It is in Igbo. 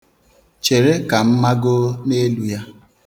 Chere ka m mago n'elu ya.